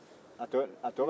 a to ka ca